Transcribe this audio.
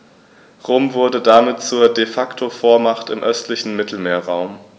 Rom wurde damit zur ‚De-Facto-Vormacht‘ im östlichen Mittelmeerraum.